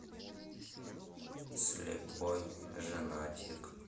слепой женатик